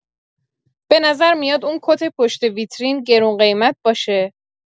به نظر میاد اون کت پشت ویترین گرون قیمت باشه